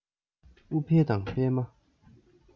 ཨུཏྤལ དང པདྨ